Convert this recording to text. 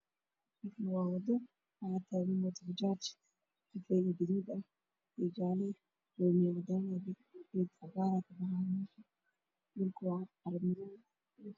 Waa wado waxaa taagan mooto bajaaj gaduud ah iyo jaale, hoomey cadaan, geed cagaar ah ayaa kabaxaayo dhulkuna waa carro madow.